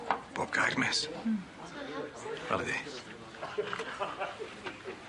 Bob gair, miss. Hmm. Welai di.